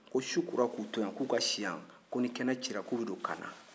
ko su kora k'u to yan k'u ka si yan ko ni kɛnɛ cira k'u bɛ don kaana